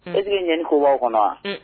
I ɲ ko b'aw kɔnɔ wa